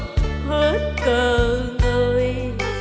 ngơi